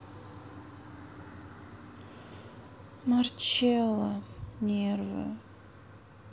marcello нервы